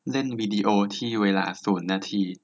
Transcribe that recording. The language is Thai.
เล่นวีดีโอที่เวลาศูนย์นาที